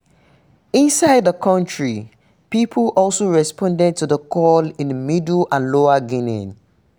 Inside the country, people also responded to the call in Middle and Lower Guinea.